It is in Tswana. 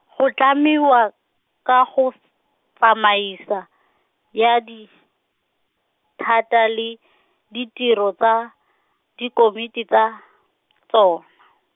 go tlhamiwa, kagatsamaiso, ya dithata le , ditiro tsa, dikomiti tsa, tsona.